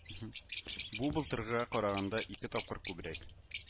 Бу былтыргыга караганда ике тапкыр күбрәк